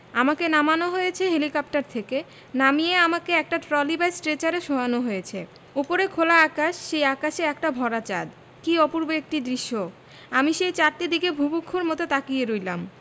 আমাকে নামানো হয়েছে হেলিকপ্টার থেকে নামিয়ে আমাকে একটা ট্রলি বা স্ট্রেচারে শোয়ানো হয়েছে ওপরে খোলা আকাশ সেই আকাশে একটা ভরা চাঁদ কী অপূর্ব একটি দৃশ্য আমি সেই চাঁদটির দিকে বুভুক্ষের মতো তাকিয়ে রইলাম